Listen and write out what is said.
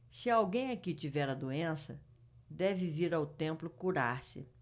se alguém aqui tiver a doença deve vir ao templo curar-se